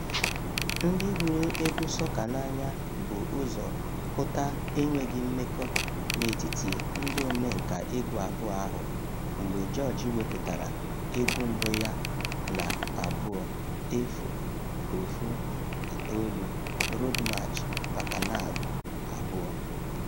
Ndị hụrụ egwu sọka n'anya bụ ụzọ hụta enweghị mmekọ n'etiti ndị omenka egwu abụọ ahụ mgbe George wepụtara egwu mbụ ya na 2019, "Road March Bacchanal 2".